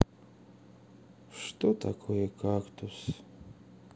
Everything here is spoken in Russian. что такое кактус